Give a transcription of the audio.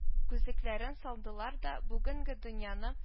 Күзлекләрен салдылар да, бүгенге дөньяны